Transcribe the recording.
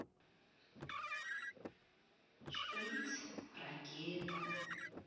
шприц ракета